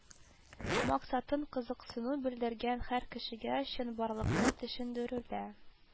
Максатын кызыксыну белдергән һәр кешегә чынбарлыкны төшендерүдә